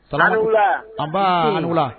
Tarawele.Ani wula ! An baa ni wula!